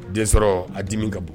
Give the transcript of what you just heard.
Den sɔrɔ a dimi ka bon